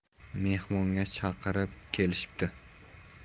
mehmonga chaqirib kelishibdi